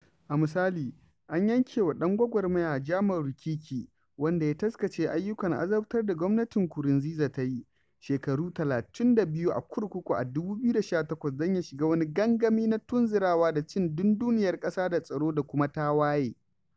A misali, an yanke wa ɗan gwagwarmaya Germain Rukiki wanda ya taskace ayyukan azabtarwar da gwamnatin Nkurunziza ta yi, shekaru 32 a kurkuku a 2018 don ya shiga wani gangami na tunzurawa da cin dunduniyar ƙasa da tsaro da kuma tawaye.